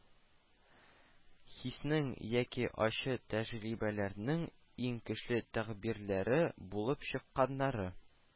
Хиснең яки ачы тәҗрибәләрнең иң көчле тәгъбирләре булып чыкканнары